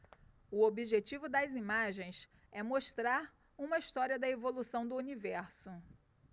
o objetivo das imagens é mostrar uma história da evolução do universo